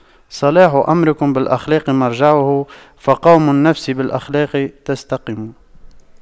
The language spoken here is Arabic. صلاح أمرك بالأخلاق مرجعه فَقَوِّم النفس بالأخلاق تستقم